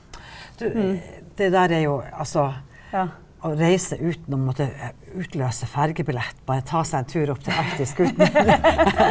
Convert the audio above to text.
du det der er jo altså å reise uten å måtte utløse fergebillett bare ta seg tur opp til Arktis .